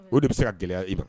O de bɛ se ka gɛlɛya i ma.